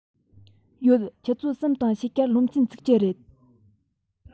ཡོད ཆུ ཚོད གསུམ དང ཕྱེད ཀར སློབ ཚན ཚུགས ཀྱི རེད